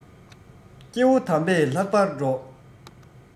སྐྱེ བོ དམ པས ལྷག པར སྒྲོགས